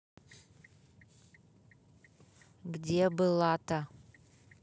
где была то